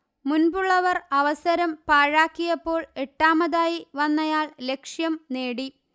മുൻപുള്ളവർ അവസരം പാഴാക്കിയപ്പോൾ എട്ടാമതായി വന്നയാൾ ലക്ഷ്യം നേടി